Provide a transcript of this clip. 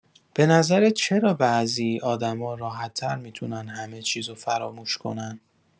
به نظرت چرا بعضی آدما راحت‌تر می‌تونن همه‌چیزو فراموش کنن؟